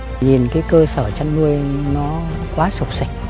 nhìn cái cơ sở chăn nuôi nó quá xộc xệch